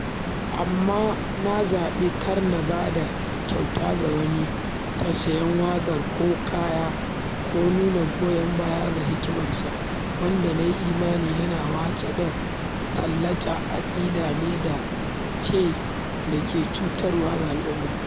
"Amma na zaɓi kar na ba da kyauta ga wani (ta sayan waƙarsa ko kaya ko nuna goyon baya ga "hikimarsa") wanda na yi imani yana watsa da tallata aƙida ne da ke cutarwa ga al'ummata.